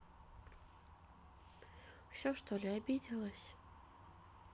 все что ли обиделась